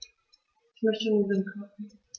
Ich möchte Nudeln kochen.